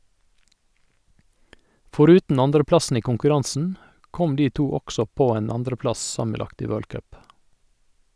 Foruten andreplassen i konkurransen, kom de to også på en andreplass sammenlagt i world cup.